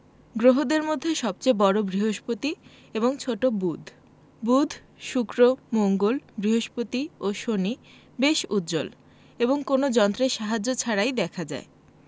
গ্রহদের মধ্যে সবচেয়ে বড় বৃহস্পতি এবং ছোট বুধ বুধ শুক্র মঙ্গল বৃহস্পতি ও শনি বেশ উজ্জ্বল এবং কোনো যন্ত্রের সাহায্য ছাড়াই দেখা যায়